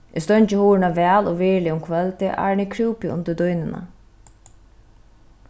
eg steingi hurðina væl og virðiliga um kvøldið áðrenn eg krúpi undir dýnuna